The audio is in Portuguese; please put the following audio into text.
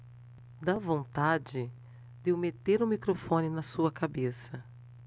dá vontade de eu meter o microfone na sua cabeça